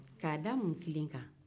ka da mun kelen kan